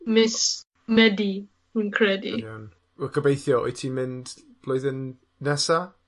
Miss Medi wi'n credu. Yn iawn. Wel gobeithio, wyt ti'n mynd blwyddyn nesa?